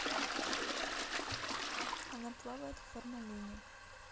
она плавает в формалине